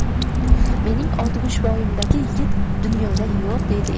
mening oltmishvoyimdaka yigit dunyoda yo'q deydi